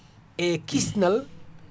e kisnal